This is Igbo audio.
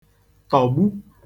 tọ̀gbu